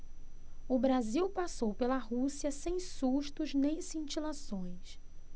o brasil passou pela rússia sem sustos nem cintilações